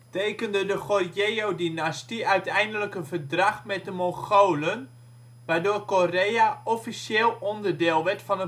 tekende de Goryeo-dynastie uiteindelijk een verdrag met de Mongolen waardoor Korea officieel onderdeel werd van